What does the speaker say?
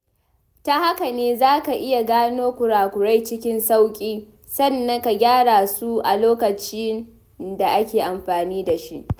Ta haka ne za ka iya gano kurakurai cikin sauƙi, sannan ka gyara su a lokacin da ake amfani da shi.